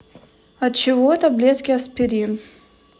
от чего таблетки аспирин